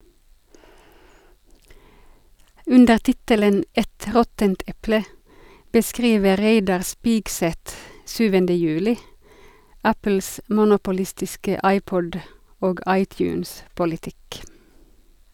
Under tittelen «Et råttent eple» beskriver Reidar Spigseth 7. juli Apples monopolistiske iPod- og iTunes-politikk.